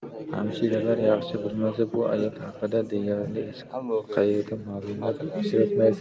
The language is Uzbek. hamshiralar yaxshi bilmasa bu ayol haqida deyarli hech qayerda ma'lumot uchratmaysiz